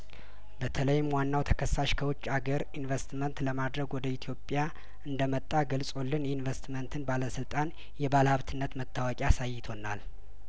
በተለይም ዋናው ተከሳሽ ከውጭ አገር ኢንቨስትመንት ለማድረግ ወደ ኢትዮጵያእንደ መጣ ገልጾልን የኢንቨስትመንት ባለስልጣን የባለሀብትነት መታወቂያ አሳይቶናል